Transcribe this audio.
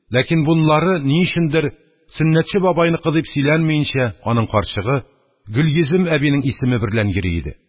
Ләкин бунлары ни өчендер Сөннәтче бабайныкы дип сөйләнмәенчә, аның карчыгы Гөлйөзем әбинең исеме берлән йөри иде.